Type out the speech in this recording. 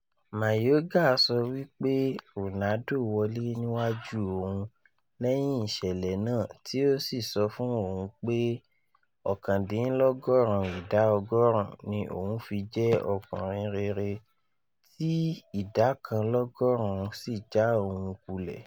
Mayorga sọ wípé Ronaldo wólẹ̀ níwájú òhun lẹ́yìn ìṣẹ̀lẹ̀ náà tí ó sì sọ fún òun pé “99 ìdá ọgọ́rùn ún” ní òun fi jẹ́ “ọkùrin rere” tí “ìdá kan l’ọ́gọ́rù ún” sì já òhun kulẹ̀.